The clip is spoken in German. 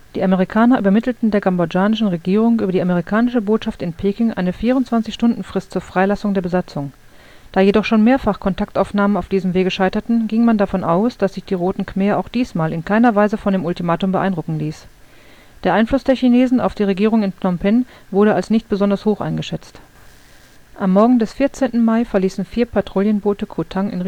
Die Amerikaner übermittelten der kambodschanischen Regierung über die amerikanische Botschaft in Peking eine 24-Stunden-Frist zur Freilassung der Besatzung. Da jedoch schon mehrfach Kontaktaufnahmen auf diesem Wege scheiterten, ging man davon aus, dass sich die Roten Khmer auch diesmal in keiner Weise von dem Ultimatum beeindrucken ließ. Der Einfluss der Chinesen auf die Regierung in Phnom Penh wurde als nicht besonders hoch eingeschätzt. Am Morgen des 14. Mai verließen vier Patrouillenboote Koh Tang